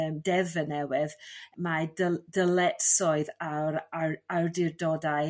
yym deddfe newydd mae dy- dyletsoedd a'r ar- awdurdodau